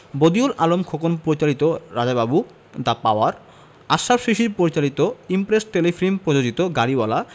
বদিউল আলম খোকন পরিচালিত Raja Babu the power Ashraf Shishir পরিচালিত Impress Telefilm প্রযোজিত গাড়িওয়ালা